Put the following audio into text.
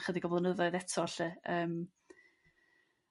ychydig o flynyddoedd eto 'lly yrm.